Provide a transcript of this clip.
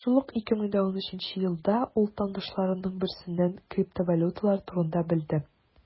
Шул ук 2013 елда ул танышларының берсеннән криптовалюталар турында белде.